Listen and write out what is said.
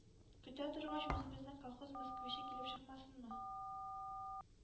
Көтә торгач, үзебезнең колхоз ”Москвич“ы килеп чыкмасынмы!